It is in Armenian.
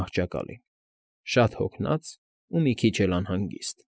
Մահճակալին՝ շատ հոգնած ու մի քիչ անհանգիստ։